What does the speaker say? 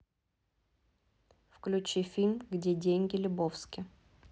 включи фильм где деньги лебовски